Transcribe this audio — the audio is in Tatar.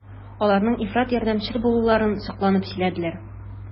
Аларның ифрат ярдәмчел булуларын сокланып сөйләделәр.